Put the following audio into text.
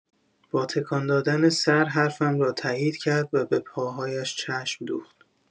با تکان‌دادن سر حرفم را تایید کرد و به پاهایش چشم دوخت.